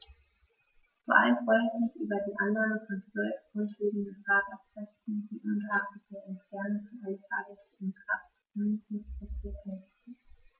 Vor allem freue ich mich über die Annahme von 12 grundlegenden Fahrgastrechten, die ungeachtet der Entfernung für alle Fahrgäste im Kraftomnibusverkehr gelten.